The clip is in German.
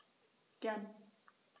Gern.